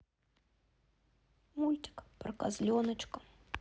мультик про козленочка